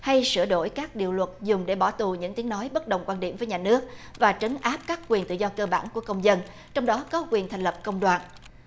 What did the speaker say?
hay sửa đổi các điều luật dùng để bỏ tù những tiếng nói bất đồng quan điểm với nhà nước và trấn áp các quyền tự do cơ bản của công dân trong đó có quyền thành lập công đoàn